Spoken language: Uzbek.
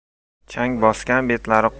chang bosgan betlari